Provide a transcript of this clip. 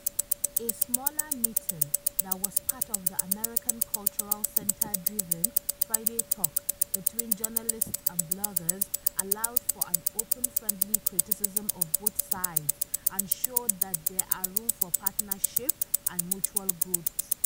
A smaller meeting that was part of the American Cultural Center-driven “Friday talk” between journalists and bloggers allowed for an open friendly criticism of both sides and showed that there are room for partnership and mutual growth.